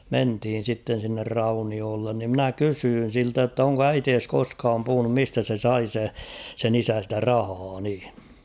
mentiin sitten sinne rauniolle niin minä kysyin siltä jotta onko äitisi koskaan puhunut mistä se sai se sen isä sitä rahaa niin